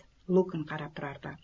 lukn qarab turar edi